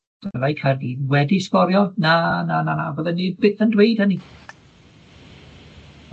Dylai Caerdydd wedi sgorio, na na na na fydden ni byth yn dweud hynny.